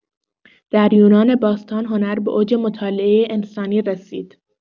در یونان باستان هنر به اوج مطالعه انسانی رسید.